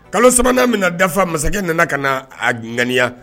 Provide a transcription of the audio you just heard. Kalo sabanan minɛ dafa masakɛ nana ka na a gganiya